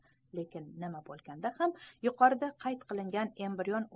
lekin nima bo'lganda ham yuqorida qayd qilingan embrion